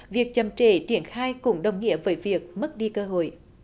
việc chậm trễ triển khai cũng đồng nghĩa với việc mất đi cơ hội